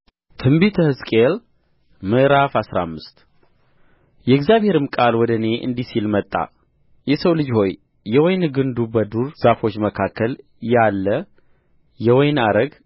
ትንቢተ ሕዝቅኤል ምዕራፍ አስራ አምስት የእግዚአብሔርም ቃል ወደ እኔ እንዲህ ሲል መጣ የሰው ልጅ ሆይ የወይን ግንድ በዱር ዛፎች መካከል ያለ የወይን አረግ